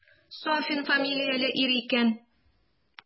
Сафин фамилияле ир икән.